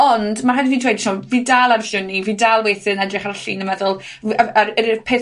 Ond ma' hefyd fi'n dweud fi dal ar siwrney, fi dal weithe'n edrych ar llyn a meddwl, w- yr a'r yr unig peth